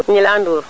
Gnilane Ndour